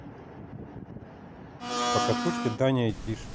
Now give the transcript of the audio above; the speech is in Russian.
покатушки даня и тиша